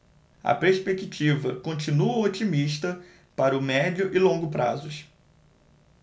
a perspectiva continua otimista para o médio e longo prazos